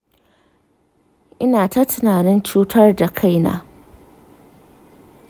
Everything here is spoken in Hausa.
ina ta tunanin cutar da kaina.